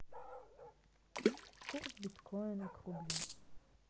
курс биткоина к рублю